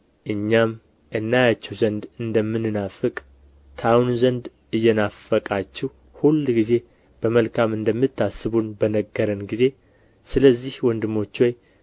እኛም እናያችሁ ዘንድ እንደምንናፍቅ ታዩን ዘንድ እየናፈቃችሁ ሁልጊዜ በመልካም እንደምታስቡን በነገረን ጊዜ ስለዚህ ወንድሞች ሆይ